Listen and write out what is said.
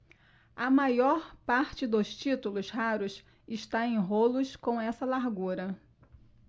a maior parte dos títulos raros está em rolos com essa largura